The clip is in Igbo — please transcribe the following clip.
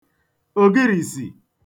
ògirìsì